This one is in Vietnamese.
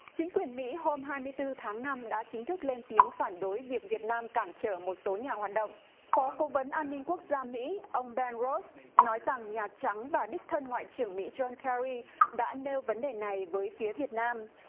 chính quyền mỹ hôm hai mươi tư tháng năm đã chính thức lên tiếng phản đối việc việt nam cản trở một số nhà hoạt động phó cố vấn an ninh quốc gia mỹ ông ben rốt nói rằng nhà trắng và đích thân ngoại trưởng mỹ giôn ke ry đã nêu vấn đề này với phía việt nam